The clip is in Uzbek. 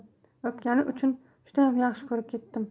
o'pgani uchun judayam yaxshi ko'rib ketdim